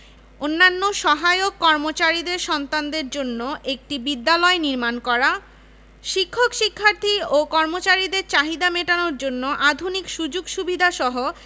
অন্যান্য সহায়ক কর্মচারীদের সন্তানদের জন্য একটি বিদ্যালয় নির্মাণ করা শিক্ষক শিক্ষার্থী ও কর্মচারীদের চাহিদা মেটানোর জন্য আধুনিক সুযোগ সুবিধাসহ